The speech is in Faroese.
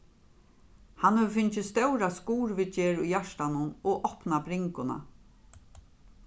hann hevur fingið stóra skurðviðgerð í hjartanum og opnað bringuna